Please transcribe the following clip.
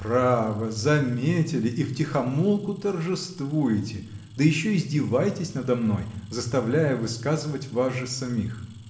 — Право, заметили и втихомолку торжествуете, да еще издеваетесь надо мной, заставляя высказывать вас же самих.